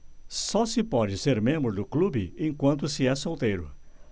só se pode ser membro do clube enquanto se é solteiro